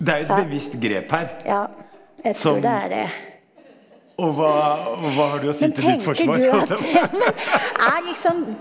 det er jo et bevisst grep her som og hva og hva har du å si til ditt forsvar holdt jeg .